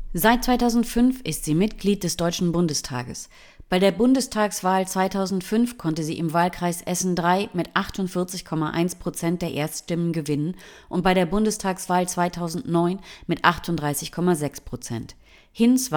Seit 2005 ist sie Mitglied des Deutschen Bundestages. Bei der Bundestagswahl 2005 konnte sie im Wahlkreis Essen III mit 48,1 % der Erststimmen gewinnen und bei der Bundestagswahl 2009 mit 38,6 %. Hinz